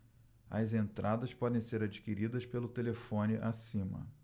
as entradas podem ser adquiridas pelo telefone acima